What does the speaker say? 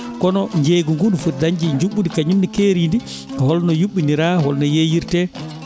kono jeygu ngu no foti dañde juɓɓudi kañumne keeridi holno juɓɓinira holno yeeyirte